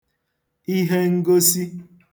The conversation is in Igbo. ihe ngosi